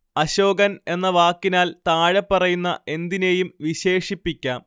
അശോകൻ എന്ന വാക്കിനാൽ താഴെപ്പറയുന്ന എന്തിനേയും വിശേഷിപ്പിക്കാം